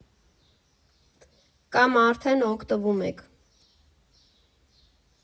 Կամ արդեն օգտվում եք։